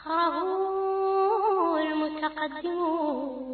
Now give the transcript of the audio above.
San mɔgɛnin yo